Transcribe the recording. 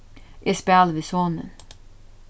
eg spæli við sonin